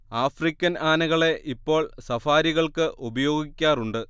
African ആനകളെ ഇപ്പോൾ സഫാരികൾക്ക് ഉപയോഗിക്കാറുണ്ട്